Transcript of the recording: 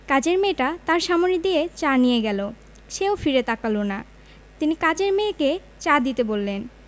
কাজের মেয়েটা তাঁর সামনে দিয়ে চা নিয়ে গেল সে ও ফিরে তাকাল না তিনি কাজের মেয়েটাকে চা দিতে বললেন